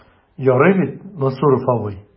Ярый бит, Мансуров абый?